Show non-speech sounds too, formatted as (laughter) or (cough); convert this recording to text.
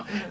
(hesitation) (hesitation)